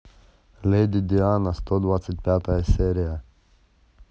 леди диана сто двадцать пятая серия